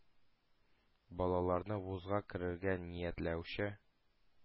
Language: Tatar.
Балалары вузга керергә ниятләүче